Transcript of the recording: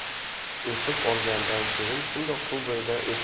o'tib olgandan keyin shundoq suv